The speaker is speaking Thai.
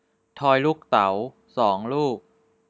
ทอยลูกเต๋าสองลูก